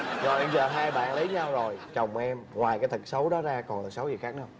rồi bây giờ hai bạn lấy nhau rồi chồng em ngoài cái tật xấu đó ra còn tật xấu gì khác nữa không